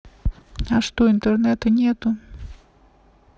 а что интернета нету